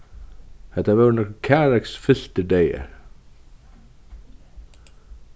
hetta vóru nakrir kærleiksfyltir dagar